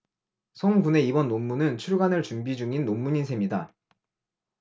송 군의 이번 논문은 출간을 준비 중인 논문인 셈이다